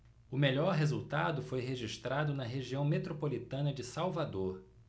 o melhor resultado foi registrado na região metropolitana de salvador